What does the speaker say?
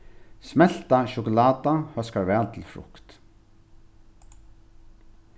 smeltað sjokuláta hóskar væl til frukt